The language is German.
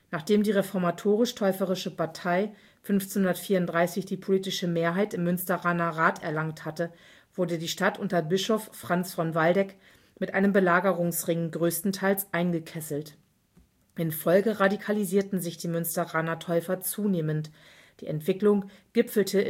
Nachdem die reformatorisch-täuferische Partei 1534 die politische Mehrheit im Münsteraner Rat erlangt hatte, wurde die Stadt unter Bischof Franz von Waldeck mit einem Belagerungsring größtenteils eingekesselt. In Folge radikalisierten sich die Münsteraner Täufer zunehmend, die Entwicklung gipfelte